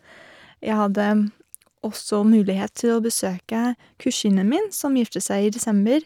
Jeg hadde også mulighet til å besøke kusinen min, som giftet seg i desember.